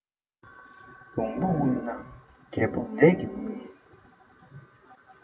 ལུང པ དབུལ ན རྒྱལ པོ ལས ཀྱིས དབུལ